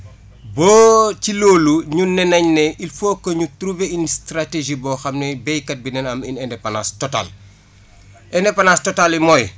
bo ci loolu ñu ne nañ ne il faut que ñu trouvé une stratégie boo xam ne béykat bi dana am une indépendance totale indépendance totale bi mooy